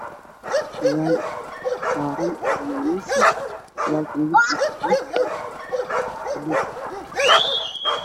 Miiska waxaa kor saaran bocor iyo barandho